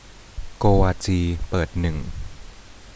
โกวาจีเปิดหนึ่ง